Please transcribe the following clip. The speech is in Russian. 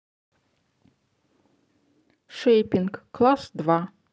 шейпинг класс два